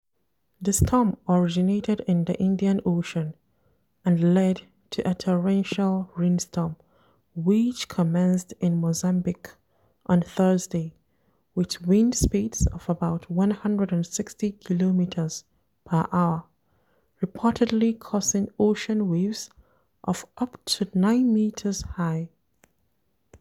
The storm originated in the Indian Ocean and led to a torrential rainstorm which commenced in Mozambique on Thursday, with wind speeds of about 160 kilometers per hour, reportedly causing ocean waves of up to 9 meters high.